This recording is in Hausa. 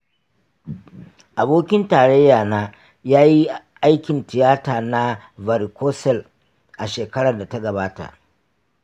abokin tarayya na ya yi aikin tiyata na varicocele a shekarar da ta gabata.